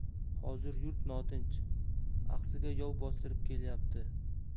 hozir yurt notinch axsiga yov bostirib kelyapti